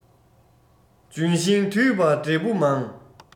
ལྗོན ཤིང དུད པ འབྲས བུ མང